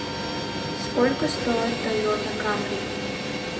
сколько стоит тоета камри